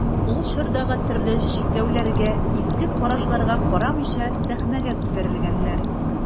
Ул чордагы төрле чикләүләргә, иске карашларга карамыйча сәхнәгә күтәрелгәннәр.